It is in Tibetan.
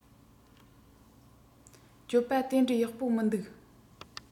སྤྱོད པ དེ འདྲའི ཡག པོ མི འདུག